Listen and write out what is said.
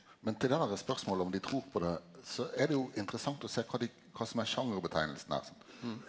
men til det derre spørsmålet om dei trur på det så er det jo interessant å sjå kva dei kva som er sjangernemninga her sant.